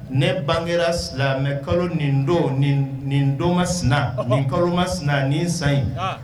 Ne bangera silamɛ kalo nin don nin nin don ma sina ɔhɔ nin kalo ma sina nin san in an